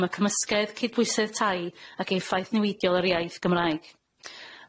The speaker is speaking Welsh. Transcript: dam y cymysgedd cydbwysedd tai ac effaith niweidiol yr iaith Gymraeg.